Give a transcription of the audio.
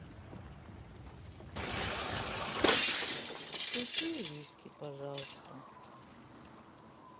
включи виски пожалуйста